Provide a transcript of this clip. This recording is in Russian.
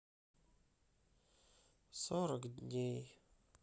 сорок дней